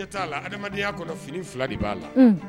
T'a la adamadenyaya kɔnɔ fini fila de b'a la